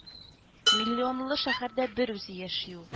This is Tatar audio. Миллионлы шәһәрдә берүзе яши ул.